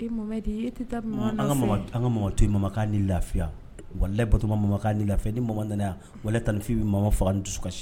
E Mohamɛdi e tɛ taa maman nɔfɛ wa an ka maman to ye maman k'a ni lafiya walayi Batoma ni maman k'a ni lafiya ni maman na na yan walayi tantie Fifi bɛ maman faga ni dusukasi